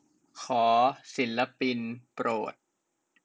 ขอศิลปินโปรด